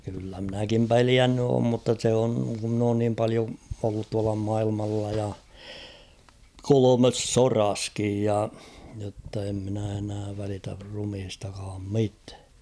kyllä minäkin pelännyt olen mutta se on kun minä olen niin paljon ollut tuolla maailmalla ja kolmessa sodassakin ja jotta en minä enää välitä ruumiistakaan mitään